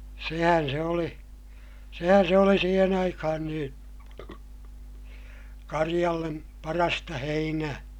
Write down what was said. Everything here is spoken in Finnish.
sehän se oli sehän se oli siihen aikaan niin karjalle parasta heinää